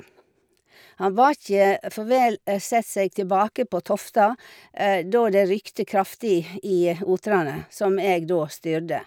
Han var ikke for vel satt seg tilbake på tofta da det rykket kraftig i otrene, som jeg da styrte.